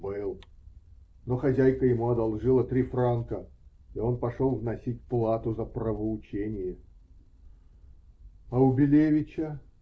-- Был, но хозяйка ему одолжила три франка, и он пошел вносить плату за правоучение. -- А у Белевича?